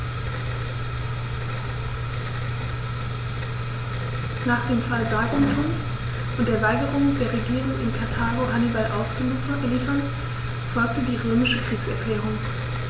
Nach dem Fall Saguntums und der Weigerung der Regierung in Karthago, Hannibal auszuliefern, folgte die römische Kriegserklärung.